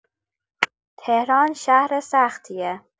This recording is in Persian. تهران شهر سختیه.